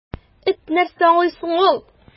Эт нәрсә аңлый соң ул!